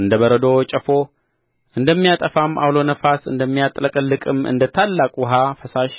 እንደ በረዶ ወጨፎ እንደሚያጠፋም ዐውሎ ነፋስ እንደሚያጥለቀልቅም እንደ ታላቅ ውኃ ፈሳሽ